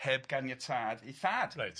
Heb ganiatâd 'i thad. Reit.